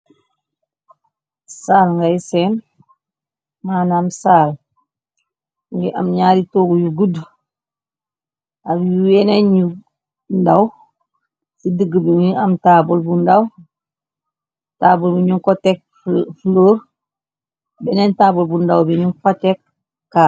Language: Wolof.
Saal ngay seen. maanaam saal ngi am ñaari toog yu gudd ak yu yeneen ñu ndaw ci dëgg bini am tabl ndaw taabal bi ñu ko tekk floor beneen taabal bu ndaw bi ñu kotekk kaa.